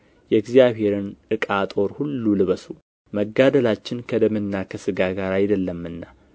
የእግዚአብሔርን ዕቃ ጦር ሁሉ ልበሱ መጋደላችን ከደምና ከሥጋ ጋር አይደለምና